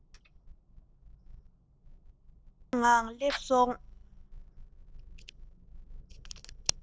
བདེ བླག ངང སླེབས སོང